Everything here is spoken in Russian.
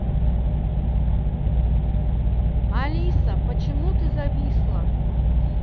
алиса почему ты зависла